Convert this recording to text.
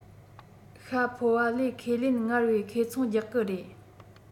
ཤྭ ཕོ བ ལས ཁས ལེན སྔར བས ཁེ ཚོང རྒྱག གི རེད